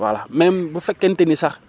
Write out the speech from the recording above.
voilà bu fekkente ni sax